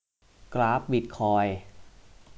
กราฟบิทคอยน์